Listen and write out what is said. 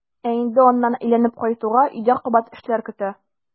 Ә инде аннан әйләнеп кайтуга өйдә кабат эшләр көтә.